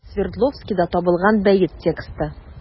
Свердловскида табылган бәет тексты.